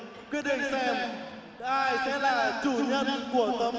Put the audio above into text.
quyết định xem ai sẽ là chủ nhân của